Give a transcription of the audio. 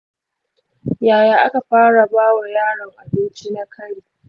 yaya aka fara ba wa yaron abinci na kari?